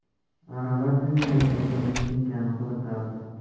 arava tinmay silkinib tinkani quritardi